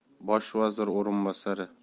bosh vazir o'rinbosari